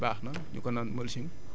ba mu ba mu protégé ko